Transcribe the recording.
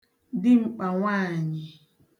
dim̀kpà nwaànyị̀